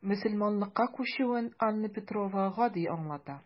Мөселманлыкка күчүен Анна Петрова гади аңлата.